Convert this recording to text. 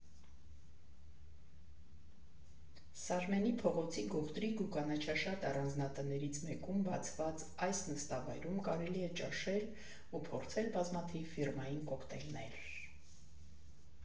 Սարմենի փողոցի գողտրիկ ու կանաչաշատ առանձնատներից մեկում բացված այս նստավայրում կարելի է ճաշել ու փորձել բազմաթիվ ֆիրմային կոկտեյլներ։